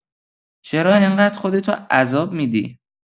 چرا این‌قدر خودتو عذاب می‌دی؟